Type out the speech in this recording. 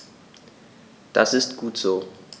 Das ist gut so.